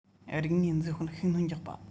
རིག གནས འཛུགས སྤེལ ལ ཤུགས སྣོན རྒྱག པ